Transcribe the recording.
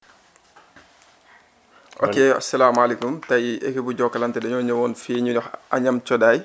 ok asalaamaaleykum tey equipe bu jokalante dañoo ñëwoon fii ñuy wax Agnam Thioday